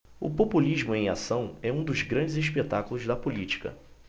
o populismo em ação é um dos grandes espetáculos da política